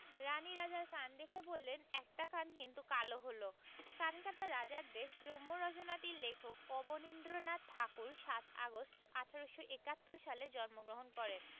রানী রাজার কান দেখে বললেন একটি কান কিন্তু কালো হল' 'কানকাটা রাজার দেশ' রম্যরচনাটির লেখক অবনীন্দ্রনাথ ঠাকুর ৭ আগস্ট ১৮৭১ সালে জন্মগ্রহণ করেন